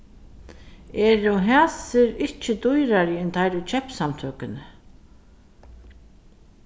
eru hasir ikki dýrari enn teir í keypssamtøkuni